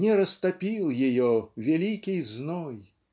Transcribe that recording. Не растопил ее великий зной